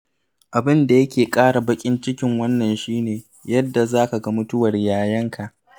Abin da yake ƙara baƙin cikin wannan shi ne, yadda za ka ga mutuwar yayanka.